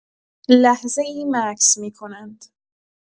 لحظه‌ای مکث می‌کنند.